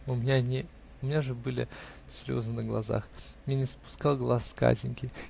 У меня же были слезы на глазах. Я не спускал глаз с Катеньки.